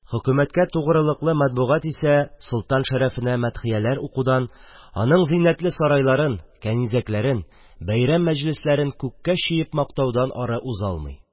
Хөкүмәткә тугрылыклы матбугат исә солтан шәрәфенә мәдхияләр укудан, аның зиннәтле сарайларын, кәнизәкләрен, бәйрәм-мәҗлесләрен күккә чөеп мактаудан ары уза алмый.